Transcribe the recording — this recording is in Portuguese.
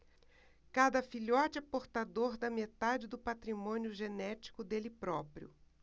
cada filhote é portador da metade do patrimônio genético dele próprio